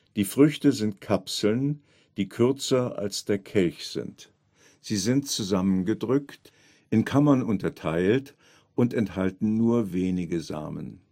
Die Früchte sind Kapseln, die kürzer als der Kelch sind, sie sind zusammengedrückt, in Kammern unterteilt und enthalten nur wenige Samen